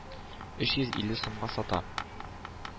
Өч йөз илле сумга сата.